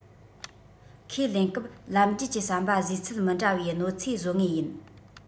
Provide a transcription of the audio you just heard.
ཁས ལེན སྐབས ལམ རྒྱུད ཀྱི ཟམ པ བཟོས ཚད མི འདྲ བའི གནོད འཚེ བཟོ ངེས ཡིན